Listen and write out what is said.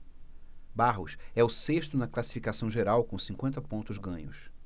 barros é o sexto na classificação geral com cinquenta pontos ganhos